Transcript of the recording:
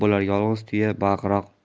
bo'lar yolg'iz tuya baqiroq